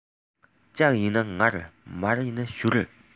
ལྕགས ཡིན ན ངར མར ཡིན ན བཞུར